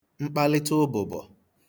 mkpalịta ụbụ̀bọ̀